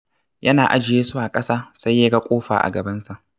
Yana ajiye su a ƙasa, sai ya ga ƙofa a gabansa.